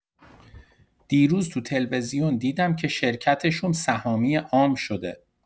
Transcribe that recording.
دیروز تو تلویزیون دیدم که شرکتشون سهامی عام شده.